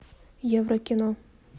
евро кино